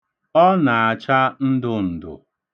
Ọ na-acha ndụndụ.